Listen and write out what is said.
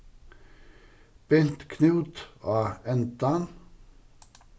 bint knút á endan